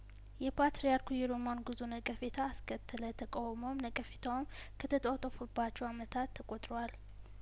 የፓትርያርኩ የሮማን ጉዞ ነቀፌታ አስከተለ ተቃውሞውም ነቀፌታውም ከተጧጧፉባቸው አመታት ተቆጥረዋል